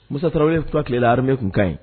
Musa Tarawelew ka tile la armée tun kaɲi